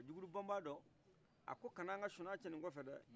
jugudu bamaadɔ a ko i kana n ka sinɔgɔ tiɲɛ ni kɔfɛ dɛɛ